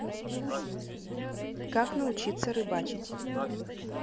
как научиться рыбачить